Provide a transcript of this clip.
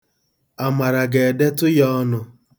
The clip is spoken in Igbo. Amara ga-edetụ ya ọnụ.